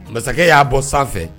Masakɛ y'a bɔ sanfɛ